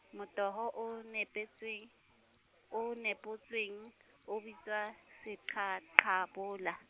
motoho o nepetswe-, o nepotsweng, o bitswa seqhaqhabola.